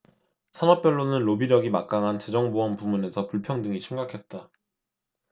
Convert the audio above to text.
산업별로는 로비력이 막강한 재정 보험 부문에서 불평등이 심각했다